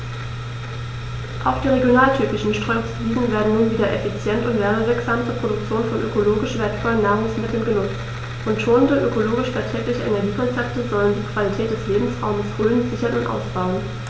Auch die regionaltypischen Streuobstwiesen werden nun wieder effizient und werbewirksam zur Produktion von ökologisch wertvollen Nahrungsmitteln genutzt, und schonende, ökologisch verträgliche Energiekonzepte sollen die Qualität des Lebensraumes Rhön sichern und ausbauen.